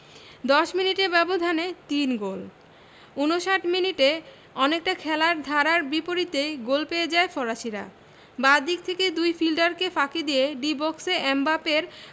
১০ মিনিটের ব্যবধানে তিন গোল ৫৯ মিনিটে অনেকটা খেলার ধারার বিপরীতেই গোল পেয়ে যায় ফরাসিরা বাঁ দিক থেকে দুই ফিল্ডারকে ফাঁকি দিয়ে ডি বক্সে এমবাপ্পের